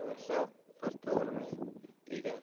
bo'lsa bir to'g'rini egadi